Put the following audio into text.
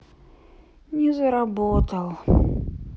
не заработал